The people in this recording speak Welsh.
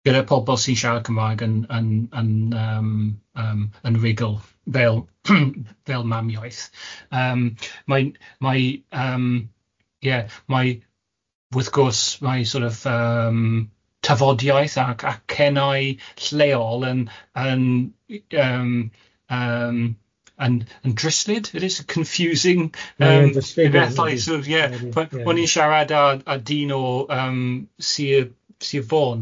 gyda pobl sy'n siarad Cymrag yn yn yn yym yym yn rugl fel fel mam iaith yym mae'n mae yym ie mae wrth gwrs, mae sort of yym tafodiaeth ac acennau lleol yn yn yym yn yn drystlyd it is confusing... Ie confusing. ...yym i bethau sort of ie on i'n siarad a dyn o yym Sir Sir Fôn,